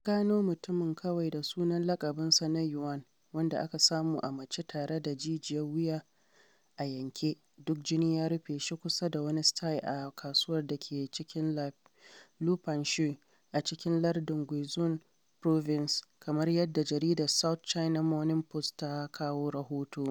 An gano mutumin kawai da sunan laƙabinsa na "Yuan," wanda aka samu a mace tare da jijiyar wuya a yanke, duk jini ya rufe shi kusa da wani sty a kasuwar da ke cikin Liupanshui a cikin lardin Guizhou province, kamar yadda jaridar South China Morning Post ta kawo rahoto.